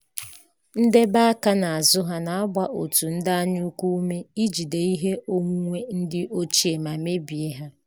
Ndebe aka n'azụ ha na-agba òtù ndị anya ukwu ume ijide ihe onwunwe ndị ochie ma mebie ha.